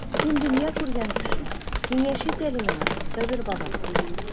Син дөнья күргән кеше, киңәш ит әле миңа, Сабир бабай.